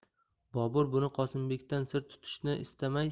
bobur buni qosimbekdan sir tutishni istamay